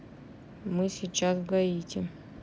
мы сейчас в гаити